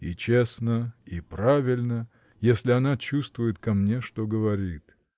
— И честно, и правильно, если она чувствует ко мне, что говорит.